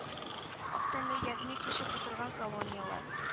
Ак тәнле ягъни күчеп утырган колонияләр